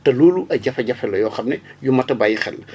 te loolu ay jafe-jafe la yoo xam ne yu mot a bàyyi xel la